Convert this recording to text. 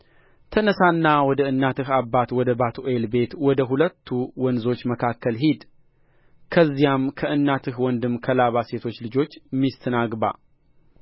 ተነሣና ወደ እናትህ አባት ወደ ባቱኤል ቤት ወደ ሁለቱ ወንዞች መካከል ሂድ ከዚያም ከእናትህ ወንድም ከላባ ሴቶች ልጆች ሚስትን አግባ